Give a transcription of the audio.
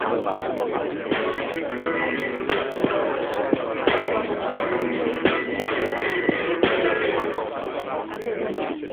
a hwyl fawr.